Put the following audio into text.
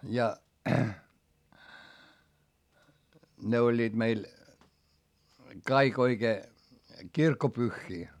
ja ne olivat meillä kaikki oikein kirkkopyhiä